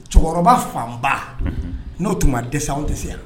Cɛkɔrɔba fanba, unhun, n'o tun ma dɛsɛ anw tɛ se yan